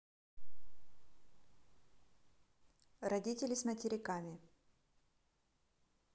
родители с материками